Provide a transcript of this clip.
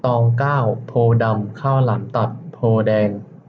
ตองเก้าโพธิ์ดำข้าวหลามตัดโพธิ์แดง